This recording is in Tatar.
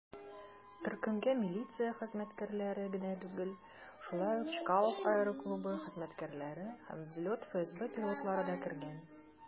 Төркемгә милиция хезмәткәрләре генә түгел, шулай ук Чкалов аэроклубы хезмәткәрләре һәм "Взлет" ФСБ пилотлары да кергән.